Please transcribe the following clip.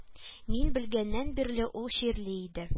Мин белгәннән бирле ул чирле иде